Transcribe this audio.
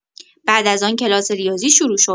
بعد از آن کلاس ریاضی شروع شد.